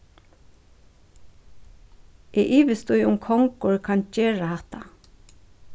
eg ivist í um kongur kann gera hatta